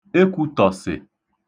Ekwūtọ̀sị̀(m̀)